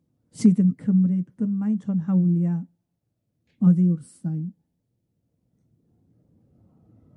sydd yn cymryd gymaint o'n hawlia' oddi wrtha i.